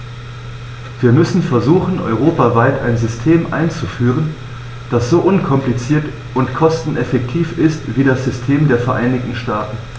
Wir müssen versuchen, europaweit ein System einzuführen, das so unkompliziert und kosteneffektiv ist wie das System der Vereinigten Staaten.